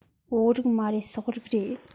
བོད རིགས མ རེད སོག རིགས རེད